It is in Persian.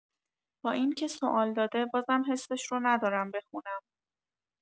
با اینکه سوال داده، بازم حسش رو ندارم بخونم